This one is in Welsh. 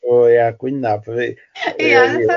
O ia gwynab fi... Ia.